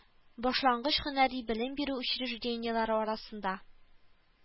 Башлангыч һөнәри белем бирү учреждениеләре арасында